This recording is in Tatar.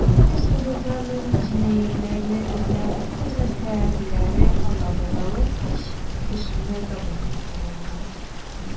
Республиканың җинаятьләрне эзләү хезмәткәрләре алабугалы 3 кешене табып тоткарлаган.